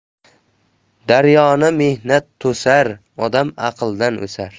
daryoni mehnat to'sar odam aqldan o'sar